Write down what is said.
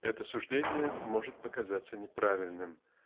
Это суждение может показаться неправильным